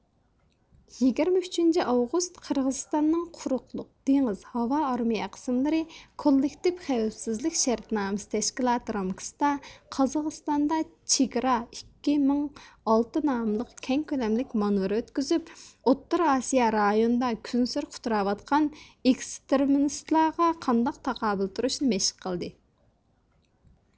يىگىرمە ئۈچىنچى ئاۋغۇست قىرغىزىستاننىڭ قۇرۇقلۇق دېڭىز ھاۋا ئارمىيە قىسىملىرى كوللېكتىپ خەۋپسىزلىك شەرتنامىسى تەشكىلاتى رامكىسىدا قازاقىستاندا چېگرا ئىككى مىڭ ئالتە ناملىق كەڭ كۆلەملىك مانېۋىر ئۆتكۈزۈپ ئوتتۇرا ئاسىيا رايونىدا كۈنسېرى قۇتراۋاتقان ئېكستىرمىستلارغا قانداق تاقابىل تۇرۇشنى مەشىق قىلدى